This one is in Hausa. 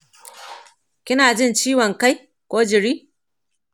kinajin ciwon kai ko jiri